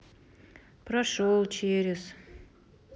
прошел через